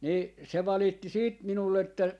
niin se valitti siitä minulle että